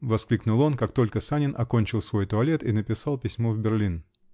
-- воскликнул он, как только Санин окончил свой туалет и написал письмо в Берлин.